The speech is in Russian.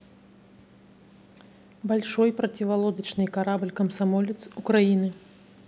большой противолодочный корабль комсомолец украины